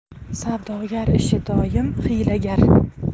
savdogar ishi doim hiylagar